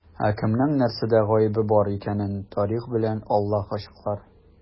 Ә кемнең нәрсәдә гаебе бар икәнен тарих белән Аллаһ ачыклар.